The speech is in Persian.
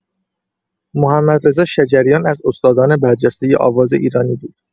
محمدرضا شجریان از استادان برجسته آواز ایرانی بود.